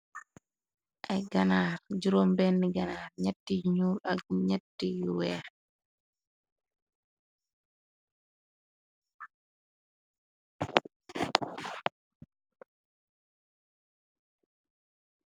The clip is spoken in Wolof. Ay ganar jiróom benna ganar, nyatti ñuul ak ñyatti yu weex.